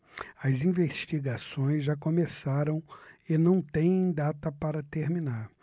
as investigações já começaram e não têm data para terminar